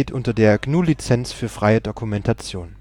unter der GNU Lizenz für freie Dokumentation